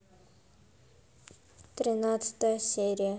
тринадцатая серия